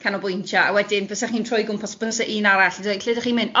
A wedyn byse chi'n troi o gwmpas byse un arall yn dweud, lle 'dach chi'n mynd?